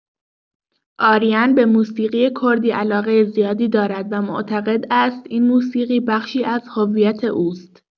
آرین به موسیقی کردی علاقه زیادی دارد و معتقد است این موسیقی بخشی از هویت اوست.